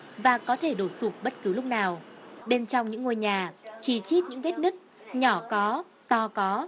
và có thể đổ sụp bất cứ lúc nào bên trong những ngôi nhà chi chít những vết nứt nhỏ có to có